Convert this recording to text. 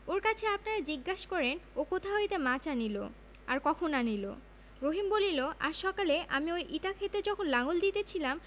ওর কাছে আপনারা জিজ্ঞাসা করেন ও কোথা হইতে মাছ আনিল আর কখন আনিল রহিম বলিল আজ সকালে আমি ঐ ইটা ক্ষেতে যখন লাঙল দিতেছিলাম